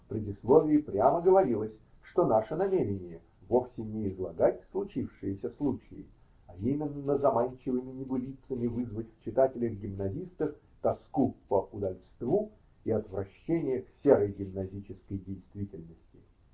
в предисловии прямо говорилось, что наше намерение вовсе не излагать случившиеся случаи, а именно заманчивыми небылицами вызвать в читателях гимназистах тоску по удальству и отвращение к серой гимназической действительности.